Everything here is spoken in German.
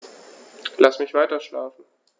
Lass mich weiterschlafen.